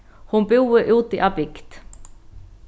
hon búði úti á bygd